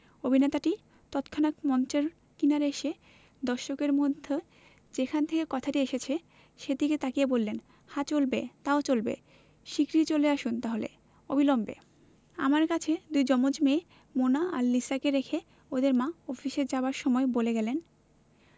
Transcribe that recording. অভিনেতাটি তৎক্ষনাত মঞ্চের কিনারে এসে দর্শকদের মধ্যে যেখান থেকে কথাটা এসেছে সেদিকে তাকিয়ে বললেন হ্যাঁ চলবে তাও চলবে শিগগির চলে আসুন তাহলে অবিলম্বে আমার কাছে দুই জমজ মেয়ে মোনা আর লিসাকে রেখে ওদের মা অফিসে যাবার সময় বলে গেলেন